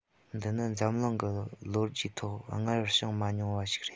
འདི ནི འཛམ གླིང གི ལོ རྒྱུས ཐོག སྔར བྱུང མ མྱོང བ ཞིག ཡིན